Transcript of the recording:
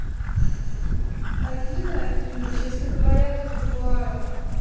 афина афина честно говоря ты тупая